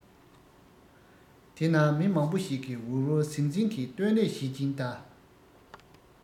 དེ ན མི མང པོ ཞིག གིས འུར འུར ཟིང ཟིང གིས སྟོན ལས བྱེད ཀྱིན གདའ